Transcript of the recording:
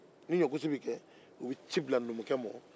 n'i ɲɔgosi bɛ kɛ o bɛ ci bila numukɛ ma